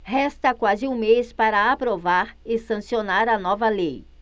resta quase um mês para aprovar e sancionar a nova lei